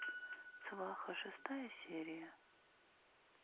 сваха шестая серия